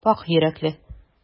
Пакь йөрәкле.